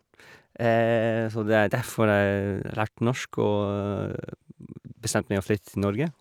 Så det er derfor jeg lærte norsk og bestemte meg å flytte til Norge.